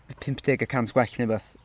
Mae pump deg y cant gwell neu rywbeth.